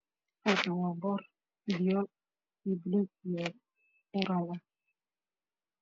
Meeshaan boor fiyool iyo baluug iyo uuraal ah